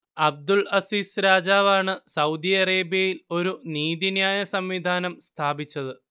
Abdul Aziz രാജാവാണ് Saudi അറേബ്യയിൽ ഒരു നീതിന്യായ സംവിധാനം സ്ഥാപിച്ചത്